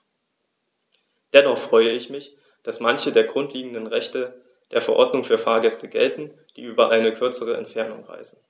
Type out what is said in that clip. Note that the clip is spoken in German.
Dennoch freue ich mich, dass manche der grundlegenden Rechte der Verordnung für Fahrgäste gelten, die über eine kürzere Entfernung reisen.